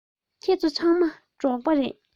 ཁྱེད ཚོ ཚང མ འབྲོག པ རེད